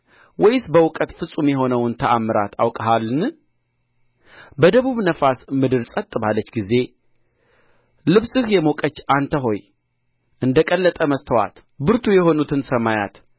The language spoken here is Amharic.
ወይስ በእውቀት ፍጹም የሆነውን ተአምራት አውቀሃልን በደቡብ ነፋስ ምድር ጸጥ ባለች ጊዜ ልብስህ የሞቀች አንተ ሆይ እንደ ቀለጠ መስተዋት ብርቱ የሆኑትን ሰማያት